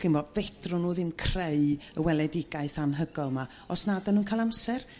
Chi'n 'bo' fedrwn nhw ddim creu y weledigaeth anhygoel 'ma os nad 'dan nhw'n ca'l amser.